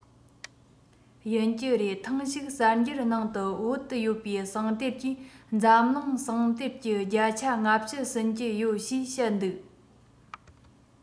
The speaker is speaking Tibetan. ཡིན གྱི རེད ཐེངས ཤིག གསར འགྱུར ནང དུ བོད དུ ཡོད པའི ཟངས གཏེར གྱིས འཛམ གླིང ཟངས གཏེར གྱི བརྒྱ ཆ ལྔ བཅུ ཟིན གྱི ཡོད ཞེས བཤད འདུག